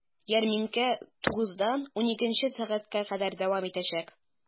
Ярминкә 9 дан 12 сәгатькә кадәр дәвам итәчәк.